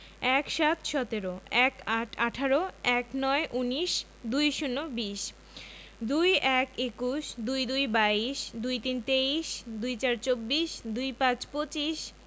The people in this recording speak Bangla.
১৭ - সতেরো ১৮ - আঠারো ১৯ - উনিশ ২০ - বিশ ২১ – একুশ ২২ – বাইশ ২৩ – তেইশ ২৪ – চব্বিশ ২৫ – পঁচিশ